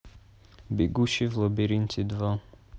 бегущий в лабиринте два